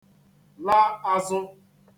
la āzụ̄